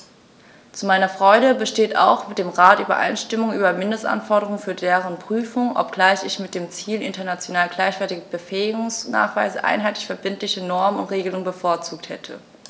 Zu meiner Freude besteht auch mit dem Rat Übereinstimmung über Mindestanforderungen für deren Prüfung, obgleich ich mit dem Ziel international gleichwertiger Befähigungsnachweise einheitliche verbindliche Normen und Regelungen bevorzugt hätte.